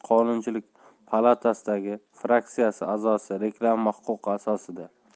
qonunchilik palatasidagi fraksiyasi a'zosireklama huquqi asosida